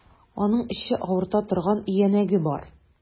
Аның эче авырта торган өянәге бар.